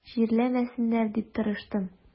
Чирләмәсеннәр дип тырыштым.